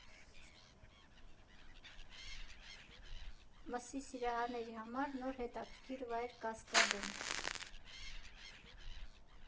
Մսի սիրահարների համար նոր հետաքրքիր վայր Կասկադում։